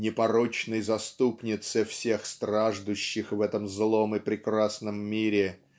Непорочной Заступнице всех страждущих в этом злом и прекрасном мире